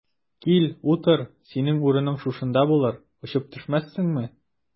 Кил, утыр, синең урының шушында булыр, очып төшмәссеңме?